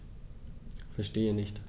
Verstehe nicht.